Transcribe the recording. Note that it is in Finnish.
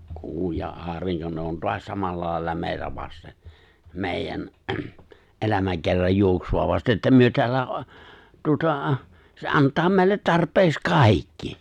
kuu ja aurinko ne on taas samalla lailla meitä vasten meidän elämäkerran juoksua vasten että me täällä tuota se antaa meille tarpeeksi kaikki